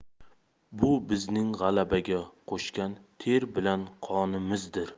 bu bizning g'alabaga qo'shgan ter bilan qonimizdir